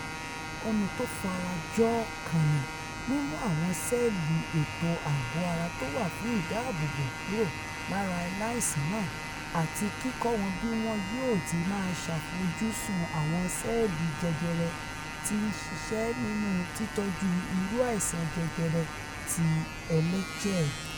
Ọ́ná tó farajọ ọ́ kan ni mímú àwọn ṣẹ́ẹ̀lì ètò àgọ́-ara tówà fún ìdáààbòbò kùrò lára aláìsàn náà àti ''kíkọ́'' wọn bí wọn yóò ti máa ṣàfojúsùn àwọn ṣẹ́ẹ̀lì jẹjẹrẹ ti ṣiṣẹ́ nínú títọ́jú irú áìsàn jẹjẹrẹ ti ẹlẹ́ẹ̀jẹ̀.